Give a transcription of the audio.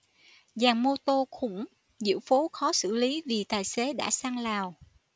dàn mô tô khủng diễu phố khó xử lý vì tài xế đã sang lào